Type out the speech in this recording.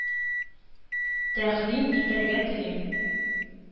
Тәкъдим итәргә телим.